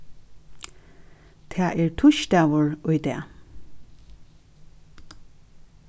tað er týsdagur í dag